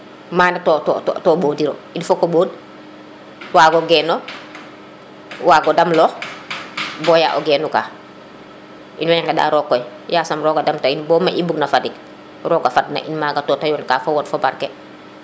mana to to mboɗiro il faut ko moɗ wago genook wago dam loox boya o genuka in woy ŋeɗa roog koy yasam roga damta in bo i mbugna fadik roga fadna in maga to te yoon ka fo o wod fo barke